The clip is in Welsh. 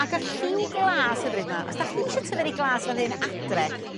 Ac a'r lliw glas hyfryd 'ma. Os 'dach chi isie tyfu rei glas fel hyn adre